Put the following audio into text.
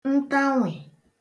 ntanwị̀